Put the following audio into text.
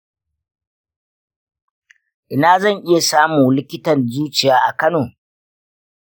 ina zan iya samu likitan zuciya a kano?